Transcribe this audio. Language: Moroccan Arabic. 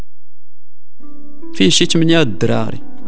في شك من يدري